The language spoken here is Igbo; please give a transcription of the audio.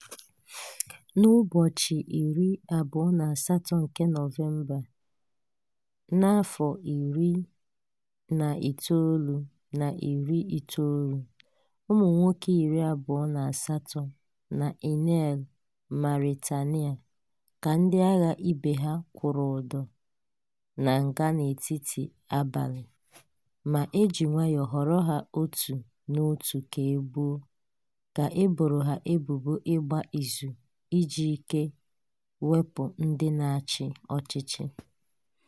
N'ụbọchị 28 nke Nọvemba, 1990, ụmụnwoke 28 na Inal, Mauritania, ka ndị agha ibe ha kwụrụ ụdọ na nga n'etiti abalị, ma e ji nwayọọ họrọ ha otu na otu ka e gbuo, ka e boro ha ebubo ịgba izu iji ike iwepụ ndị na-achị ọchịchị.